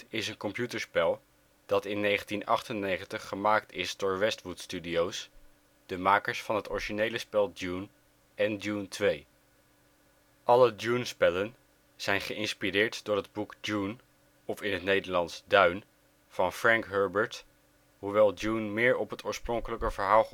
is een computerspel dat in 1998 gemaakt is door Westwood Studios, de makers van het originele spel Dune en Dune 2. Alle Dune-spellen zijn geïnspireerd door het boek Dune (Duin) van Frank Herbert, hoewel Dune meer op het oorspronkelijke verhaal